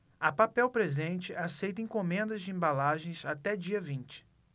a papel presente aceita encomendas de embalagens até dia vinte